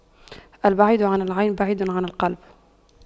البعيد عن العين بعيد عن القلب